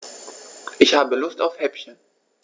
Ich habe Lust auf Häppchen.